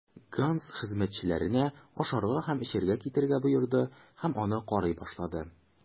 Ганс хезмәтчеләренә ашарга һәм эчәргә китерергә боерды һәм аны карый башлады.